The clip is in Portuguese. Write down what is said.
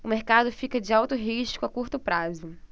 o mercado fica de alto risco a curto prazo